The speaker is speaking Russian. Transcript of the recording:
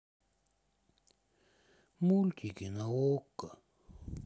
мультики на окко